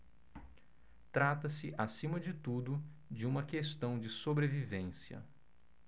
trata-se acima de tudo de uma questão de sobrevivência